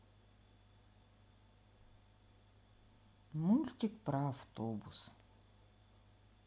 мультик про автобус